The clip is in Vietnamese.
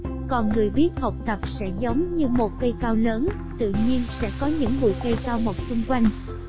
còn người biết học tập sẽ giống như một cây cao lớn tự nhiên sẽ có những bụi cây cao mọc xung quanh